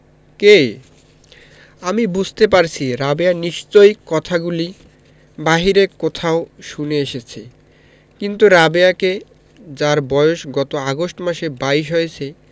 কে আমি বুঝতে পারছি রাবেয়া নিশ্চয়ই কথাগুলি বাইরে কোথাও শুনে এসেছে কিন্তু রাবেয়াকে যার বয়স গত আগস্ট মাসে বাইশ হয়েছে